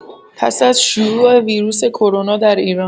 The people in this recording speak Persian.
پس از شیوع ویروس کرونا در ایران